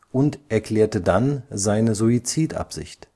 und erklärte dann seine Suizidabsicht